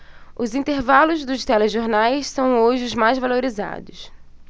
os intervalos dos telejornais são hoje os mais valorizados